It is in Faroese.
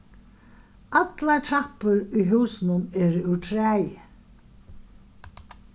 allar trappur í húsinum er úr træi